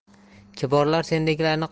kiborlar sendeklarni qora